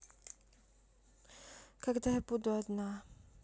когда я буду одна